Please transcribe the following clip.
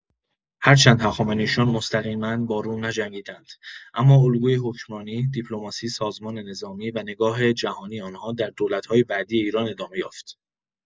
هرچند هخامنشیان مستقیما با روم نجنگیدند، اما الگوی حکمرانی، دیپلماسی، سازمان نظامی و نگاه جهانی آن‌ها در دولت‌های بعدی ایران ادامه یافت.